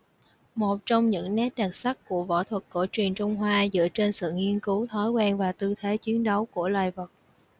một trong những nét đặc sắc của võ thuật cổ truyền trung hoa dựa trên sự nghiên cứu thói quen và tư thế chiến đấu của loài vật